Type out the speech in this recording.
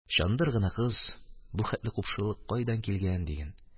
Чандыр гына кыз, бу хәтле купшылык кайдан килгән диген.